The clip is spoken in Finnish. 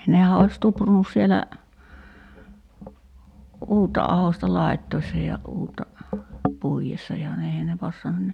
nehän olisi tuprunnut siellä uutta ahdosta laittaessa ja uutta puidessa ja ne eihän ne passannut niin